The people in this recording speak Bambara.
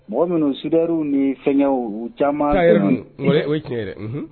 Mɔgɔ minnu sidaw ni sɛya caman o cɛ